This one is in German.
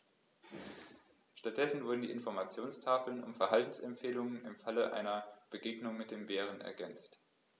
Stattdessen wurden die Informationstafeln um Verhaltensempfehlungen im Falle einer Begegnung mit dem Bären ergänzt.